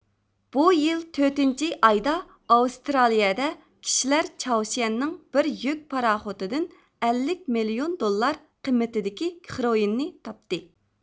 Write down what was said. بۇ يىل تۆتىنچى ئايدا ئاۋسترالىيىدە كىشىلەر چاۋشيەننىڭ بىر يۈك پاراخوتىدىن ئەللىك مىليون دوللار قىممىتىدىكى خرۇئىننى تاپتى